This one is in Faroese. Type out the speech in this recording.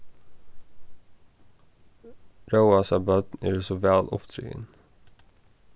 róasa børn eru so væl uppdrigin